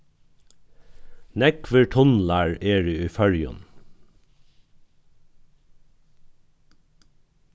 nógvir tunlar eru í føroyum